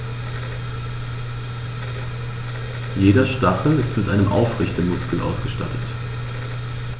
Jeder Stachel ist mit einem Aufrichtemuskel ausgestattet.